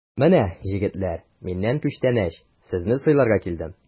Менә, җегетләр, миннән күчтәнәч, сезне сыйларга килдем!